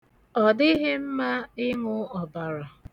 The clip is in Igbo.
Ọdịghị mma ịṅụ ọbara.